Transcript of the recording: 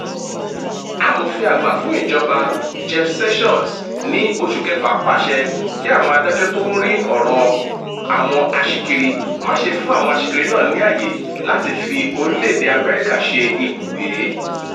Amòfin àgbà fún ìjọba Jeff Sessions ní oṣù kẹfà pàṣẹ kí àwọn adájọ́ tó ń rí ọ̀rọ̀ àwọn aṣíkiri má ṣe fún àwọn aṣíkiri náà ni àyè láti fi orílẹ̀èdè US ṣe ibùgbé.